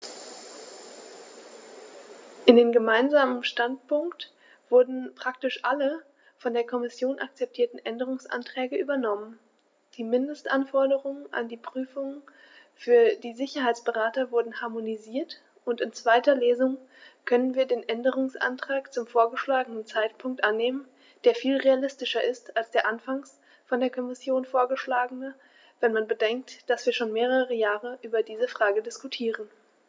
In den gemeinsamen Standpunkt wurden praktisch alle von der Kommission akzeptierten Änderungsanträge übernommen, die Mindestanforderungen an die Prüfungen für die Sicherheitsberater wurden harmonisiert, und in zweiter Lesung können wir den Änderungsantrag zum vorgeschlagenen Zeitpunkt annehmen, der viel realistischer ist als der anfangs von der Kommission vorgeschlagene, wenn man bedenkt, dass wir schon mehrere Jahre über diese Frage diskutieren.